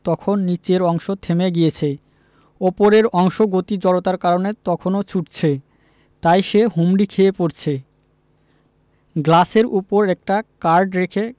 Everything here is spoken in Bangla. তখন নিচের অংশ থেমে গিয়েছে ওপরের অংশ গতি জড়তার কারণে তখনো ছুটছে তাই সে হুমড়ি খেয়ে পড়ছে গ্লাসের উপর একটা কার্ড রেখে